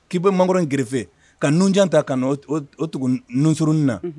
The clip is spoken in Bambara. K'i bɛ mankɔrɔ in gfe ka ninnu jan ta ka o tugun n ninnu surunin na